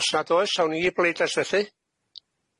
Os nad oes 'sawn i bleidlais fethu.